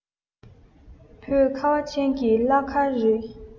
བོད ཁ བ ཅན གྱི བླ མཁར རེད